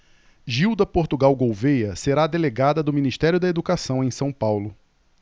gilda portugal gouvêa será delegada do ministério da educação em são paulo